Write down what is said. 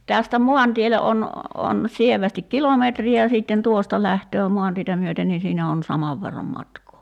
tästä maantielle on on sievästi kilometri ja sitten tuosta lähtee maantietä myöten niin siinä on saman verran matkaa